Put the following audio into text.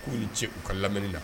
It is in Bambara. K'u ni ce u ka lamɛnli la.